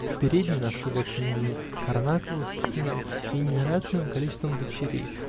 В передней нашел я княгиню Корнакову с сыном и невероятным количеством дочерей.